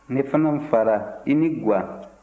ne fana fara i ni ga